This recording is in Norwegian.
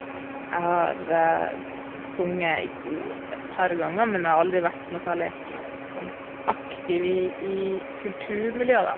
Jeg har sunget i kor et par ganger, men jeg har aldri vært noe særlig sånn aktiv i i kulturmiljøet, da.